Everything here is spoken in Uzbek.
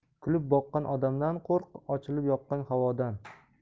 kulib boqqan odamdan qo'rq ochilib yoqqan havodan